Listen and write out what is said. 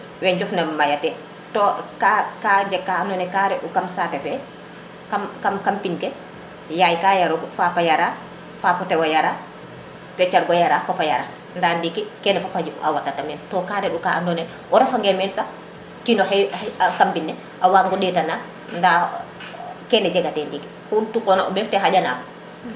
to ka ke jeg ka ando naye ka re u kam saate fe kam pin ke yaay ka yarogu fapa yara fapotewa yara pecorgo yara fopa yara nda ndiki ken fopa watata men bo ka re u ka ando naye o refa nge men sax kino xe xey kam mbine a waango ndeta na nda kene jega te ndiki xu tuqo nga o mbef te xaƴa nam